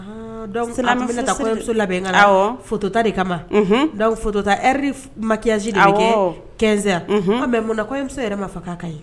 Muso labɛnta de kama dɔwtari masi kɛsɛn yan munna namuso yɛrɛ ma faga' kan ye